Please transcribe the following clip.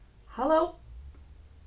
halló